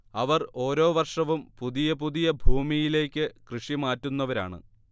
അവർ ഓരോ വർഷവും പുതിയ പുതിയ ഭൂമിയിലേക്ക് കൃഷി മാറ്റുന്നവരാണ്